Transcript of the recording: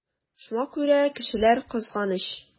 Шуңа күрә кешеләр кызганыч.